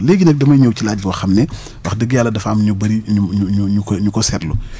léegi nag damay ñëw ci laaj boo xam ne wax dëgg yàlla dafa am ñu bëri ñu ñu ñu ñu ko ñu ko seetlu